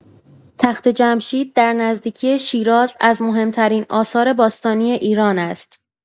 تخت‌جمشید در نزدیکی شیراز، از مهم‌ترین آثار باستانی ایران است.